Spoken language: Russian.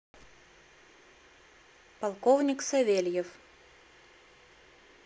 полковник савельев